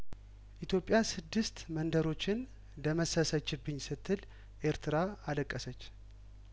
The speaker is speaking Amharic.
ኢትዮጵያ ስድስት መንደሮችን ደመሰሰችብኝ ስትል ኤርትራ አለቀሰች